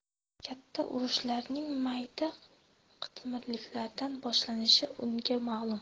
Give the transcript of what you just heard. katta urushlarning mayda qitmirliklardan boshlanishi unga ma'lum